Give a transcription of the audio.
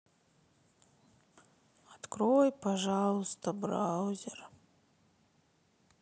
открой пожалуйста браузер